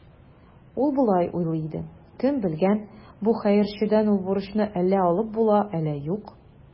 Ул болай уйлый иде: «Кем белгән, бу хәерчедән ул бурычны әллә алып була, әллә юк".